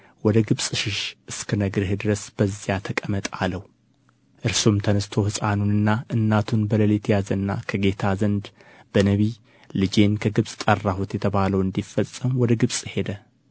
ወደ ግብፅ ሽሽ እስክነግርህም ድረስ በዚያ ተቀመጥ አለው እርሱም ተነሥቶ ሕፃኑንና እናቱን በሌሊት ያዘና ከጌታ ዘንድ በነቢይ ልጄን ከግብፅ ጠራሁት የተባለው እንዲፈጸም ወደ ግብፅ ሄደ